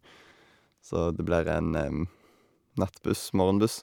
Så det blir en nattbuss, morgenbuss.